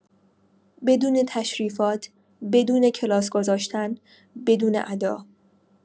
بدون تشریفات، بدون کلاس گذاشتن، بدون ادا.